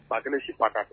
Ba kelen si' kan